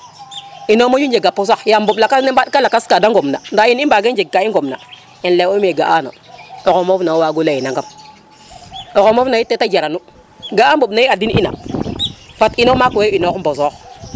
ino moƴu njeaga pusax yaam mboɓ lakas ke mbat ka lakas ka de ŋom na nda i mbage njeg ka i ŋom na ten leyu ine ga ano o xe moof na wo wagu leye nangam oxe moof na it tete jaranu ga a ɓoɓ ne i adin ina fat ino maak we i ionx mbosox